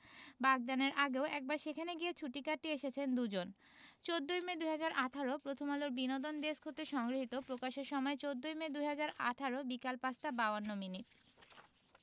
বাগদানের আগেও একবার সেখানে গিয়ে ছুটি কাটিয়ে এসেছেন দুজন ১৪ই মে ২০১৮ প্রথমআলোর বিনোদন ডেস্কথেকে সংগ্রহীত প্রকাশের সময় ১৪মে ২০১৮ বিকেল ৫টা ৫২ মিনিট